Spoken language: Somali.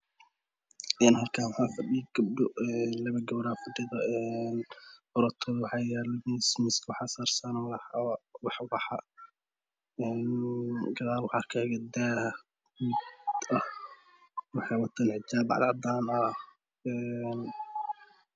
Meshan waxaa fadhiyan laba gabar hortooda waxaa yala miis dah ayaa gadashooda ku xiran